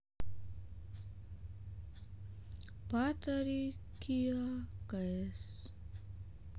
patricia kaas